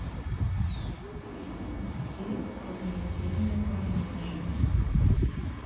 запусти когнитивный помощник